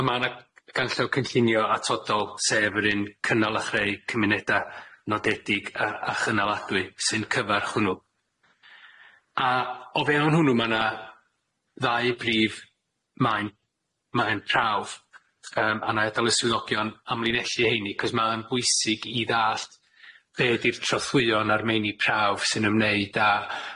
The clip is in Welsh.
A ma' wnna ganllaw cynllunio atodol sef yr un cynnal a chreu cymuneda nodedig a a chynnaladwy sy'n cyfarch hwnnw. A o fewn hwnnw ma' na ddau brif maen, maen prawf yym a nâi adael y swyddogion amlinellu heini cos ma'n bwysig i ddallt be' ydi'r trothwyo'n ar meini prawf sy'n ymwneud â